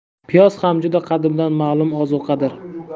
piyoz ham juda qadimdan ma'lum ozuqadir